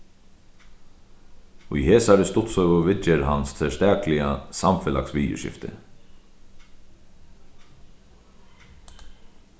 í hesari stuttsøgu viðger hann serstakliga samfelagsviðurskifti